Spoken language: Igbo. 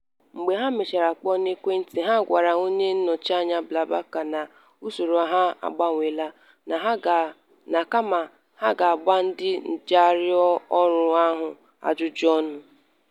Mgbe ha mechara kpọọ n'ekwentị, ha gwara onye nnọchianya BlaBlaCar na usoro akụkọ ha agbanweela, na kama, ha ga-agba ndị njiarụ ọrụ ahụ ajụjụọnụ.